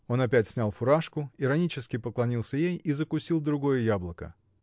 Он опять снял фуражку, иронически поклонился ей и закусил другое яблоко.